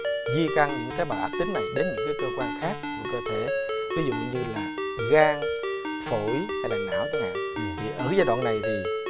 di căn những tế bào ác tính này đến những cái cơ quan khác của cơ thể ví dụ như là gan phổi hay não chẳng hạn thì ở giai đoạn này thì